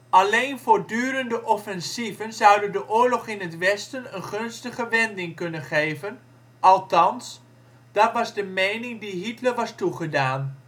Alleen voortdurende offensieven zouden de oorlog in het westen een gunstige wending kunnen geven, althans, dat was de mening die Hitler was toegedaan